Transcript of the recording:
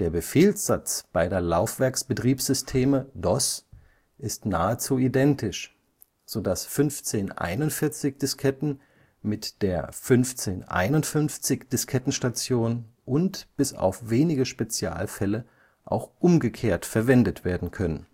Befehlssatz beider Laufwerksbetriebssysteme (DOS) ist nahezu identisch, so dass 1541-Disketten mit der 1551-Diskettenstation und – bis auf wenige Spezialfälle – auch umgekehrt verwendet werden können